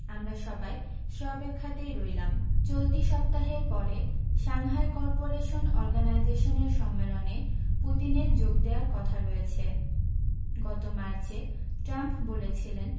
আমরা সবাই সে অপেক্ষাতেই রইলাম চলতি সপ্তাহের পরে সাংহাই করপোরেশন অর্গানাইজেশনের সম্মেলনে পুতিনের যোগ দেওয়ার কথা রয়েছে গত মার্চে ট্রাম্প বলেছিলেন